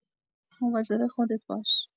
مواظب خودت باش